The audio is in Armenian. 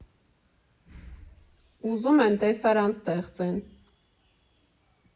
Ուզում են տեսարան ստեղծեն։